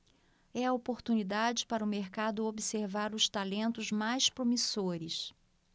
é a oportunidade para o mercado observar os talentos mais promissores